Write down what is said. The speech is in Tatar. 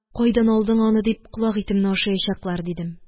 Миңа кайдан алдың аны дип, колак итемне ашаячаклар, – дидем.